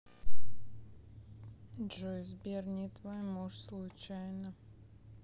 джой сбер не твой муж случайно